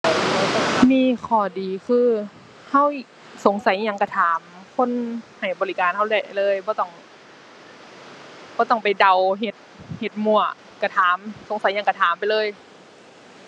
มีข้อดีคือ เราสงสัยอิหยังเราถามคนให้บริการเราได้เลย บ่ต้อง บ่ต้องไปเดาเฮ็ด เฮ็ดมั่ว เราถาม สงสัยหยังเราถามไปเลย